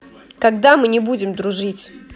когда мы не будем дружить